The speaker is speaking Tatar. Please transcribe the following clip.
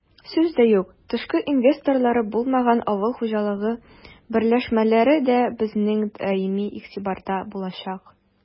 Сүз дә юк, тышкы инвесторлары булмаган авыл хуҗалыгы берләшмәләре дә безнең даими игътибарда булачак.